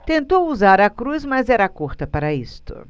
tentou usar a cruz mas era curta para isto